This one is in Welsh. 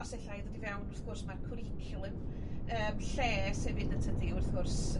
Os ella'i dod i fewn wrth gwrs ma'r cwricwlwm yym lles hefyd> yntydi wrth gwrs